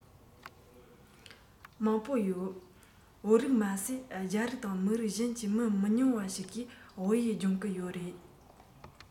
མང པོ ཡོད བོད རིགས མ ཟད རྒྱ རིགས དང མི རིགས གཞན གྱི མི མི ཉུང བ ཞིག གིས བོད ཡིག སྦྱོང གི ཡོད རེད